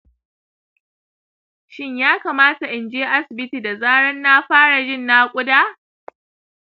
shin ya kamata inje asibiti da zaran na fata jin naƙuda